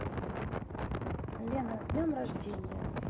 лена с днем рождения